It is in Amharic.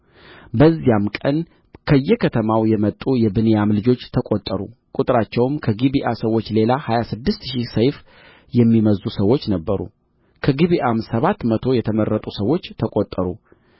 በዚያም ቀን ከየከተማው የመጡ የብንያም ልጆች ተቈጠሩ ቍጥራቸውም ከጊብዓ ሰዎች ሌላ ሀያ ስድስት ሺህ ሰይፍ የሚመዝዙ ሰዎች ነበሩ ከጊብዓም ሰባት መቶ የተመረጡ ሰዎች ተቈጠሩ